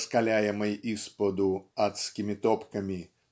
раскаляемой исподу адскими топками